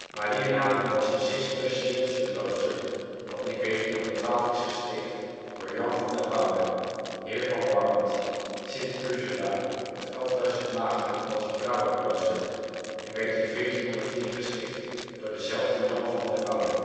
Mariënhaven was een Cisterciënzerklooster dat in 1412 is gesticht door Jan van den Woude, heer van Warmond. St. Ursula of Elfduizend Maagden was een vrouwenklooster en werd in 1410 gesticht door dezelfde Jan van den Woude